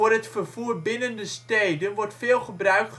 het vervoer binnen de steden wordt veel gebruik